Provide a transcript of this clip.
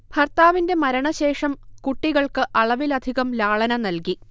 ഭർത്താവിന്റെ മരണശേഷം കുട്ടികൾക്ക് അളവിലധികം ലാളന നല്കി